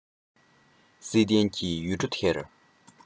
བསིལ ལྡན གྱི ཡུལ གྲུ འདིར